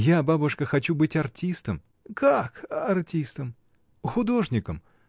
— Я, бабушка, хочу быть артистом. — Как артистом? — Художником.